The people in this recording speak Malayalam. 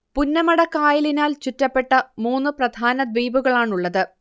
പുന്നമടക്കായലിനാൽ ചുറ്റപ്പെട്ട മൂന്ന് പ്രധാന ദ്വീപുകളാണുള്ളത്